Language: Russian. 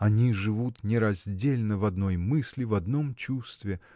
Они живут нераздельно в одной мысли, в одном чувстве